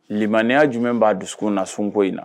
Limmaniinya jumɛn b'a dusu na sunko in na